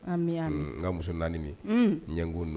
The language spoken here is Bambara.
An n ka muso naani min ɲɛ nkun don